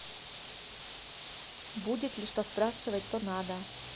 будет ли что спрашивать то надо